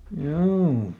joo